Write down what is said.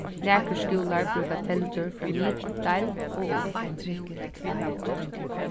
nakrir skúlar brúka teldur frá miðdeild og upp